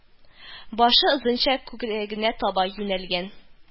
Башы озынча, күкрәгенә таба юнәлгән